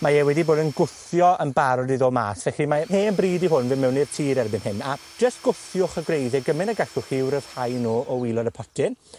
mae e wedi bod yn gwthio yn barod i ddod mas. Felly mae hen bryd i hwn fyn' mewn i'r tir erbyn hyn, a, jyst gwthiwch y gwreiddie gymyn' a gallwch chi i'w ryddhau nw o wilod y potyn.